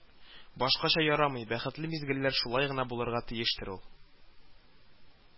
Башкача ярамый, бәхетле мизгелләр шулай гына булырга тиештер ул